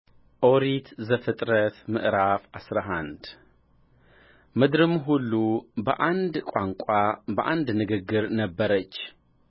ኦሪት ዘፍጥረት ምዕራፍ አስራ አንድ ምድርም ሁሉ በአንድ ቋንቋና በአንድ ንግግር ነበረች